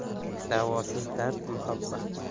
davosiz dard muhabbat